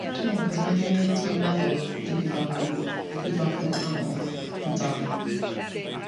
Dwi me'wl 'c'os mae 'di neud fi meddwl dipyn bach yn dipyn bach yn gwahanol amdan